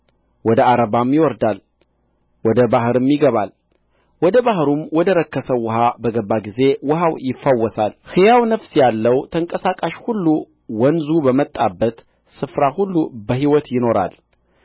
ወደ ዓረባም ይወርዳል ወደ ባሕሩም ይገባል ወደ ባሕሩም ወደ ረከሰው ውኃ በገባ ጊዜ ውኃው ይፈወሳል ሕያው ነፍስ ያለው ተንቀሳቃሽ ሁሉ ወንዙ በመጣበት ስፍራ ሁሉ በሕይወት ይኖራል